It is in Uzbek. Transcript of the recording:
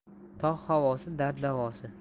tog' havosi dard davosi